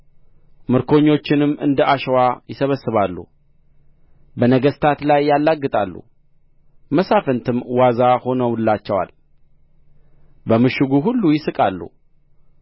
ምርኮኞችንም እንደ አሸዋ ይሰበስባሉ በነገሥታት ላይ ያላግጣሉ መሳፍንትም ዋዛ ሆነውላቸዋል በምሽጉ ሁሉ ይስቃሉ